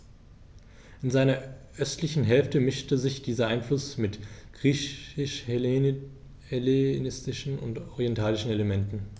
In seiner östlichen Hälfte mischte sich dieser Einfluss mit griechisch-hellenistischen und orientalischen Elementen.